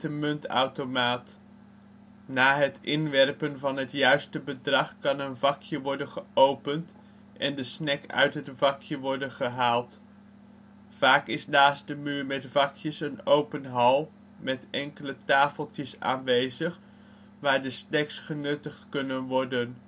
muntautomaat. Na het inwerpen van het juiste bedrag kan een vakje worden geopend en de snack uit het vakje worden gehaald. Vaak is naast de muur met vakjes een open hal met enkele tafeltjes aanwezig waar de snacks genuttigd kunnen worden